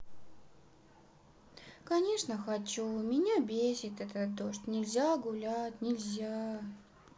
конечно хочу меня бесит этот дождь нельзя гулять нельзя